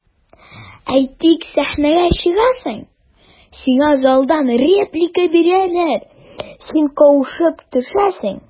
Әйтик, сәхнәгә чыгасың, сиңа залдан реплика бирәләр, син каушап төшәсең.